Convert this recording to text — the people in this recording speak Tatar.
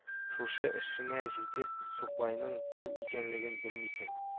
Шушы эшеңә җитеп, сукбайның кем икәнлеген белмисең